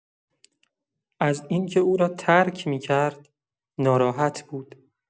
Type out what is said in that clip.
از این‌که او را ترک می‌کرد، ناراحت بود.